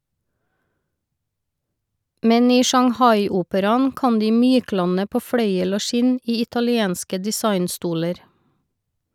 Men i Shanghai-operaen kan de myklande på fløyel og skinn i italienske designstoler.